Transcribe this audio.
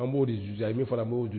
An b'o jo ye min fana b'o jo